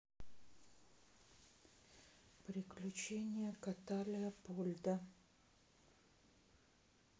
приключения кота леопольда